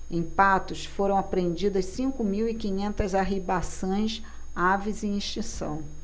em patos foram apreendidas cinco mil e quinhentas arribaçãs aves em extinção